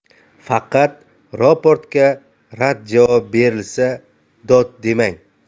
faqat raportga rad javob berilsa dod demang